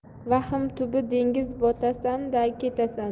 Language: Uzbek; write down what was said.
vahm tubi dengiz botasan da ketasan